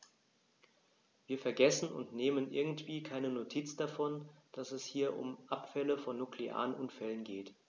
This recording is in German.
Wir vergessen, und nehmen irgendwie keine Notiz davon, dass es hier um Abfälle von nuklearen Unfällen geht.